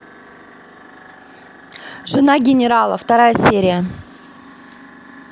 жена генерала вторая серия